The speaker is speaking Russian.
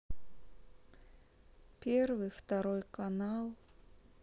первый второй канал